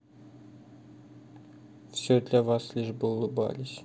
все для вас лишь бы улыбались